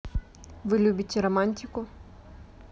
вы любите романтику